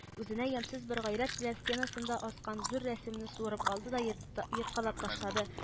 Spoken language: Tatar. Үзенә ямьсез бер гайрәт белән стенасында аскан зур рәсемне суырып алды да ерт ерткалап ташлады